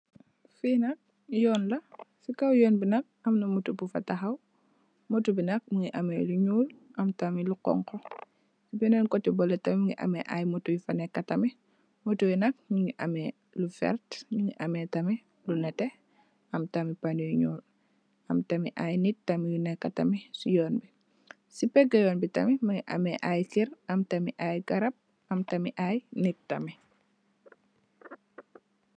Fi nak Yoon la ci kaw yoon bi nak am na motto bu fa taxaw, moto bi nak mugii ameh lu ñuul am tam lu xonxu, benen koteh baleh mugii am ay moto yu fa nèkka tamit. Motto yi nak ñu ameh lu werta mugii ameh tamit lu netteh, am tamit panu yu ñuul am tamit ay nit tamit yu nèkka tamit ci yoon bi. Si pegga yoon bi tamit mugii ameh ay kèr , ay garap am tamit ay nit tamit.